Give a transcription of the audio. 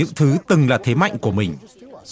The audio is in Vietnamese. những thứ từng là thế mạnh của mình